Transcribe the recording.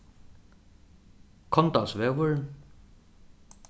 korndalsvegur